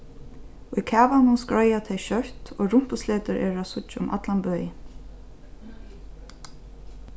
í kavanum skreiða tey skjótt og rumpusletur eru at síggja um allan bøin